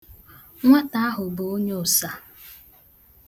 Nwata ahu bu onye ụsa